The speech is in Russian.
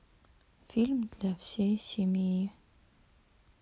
фильм для всей семьи